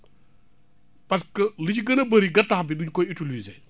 parce li ci gën a bëri gattax bi duñ koy utiliser